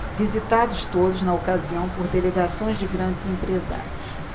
visitados todos na ocasião por delegações de grandes empresários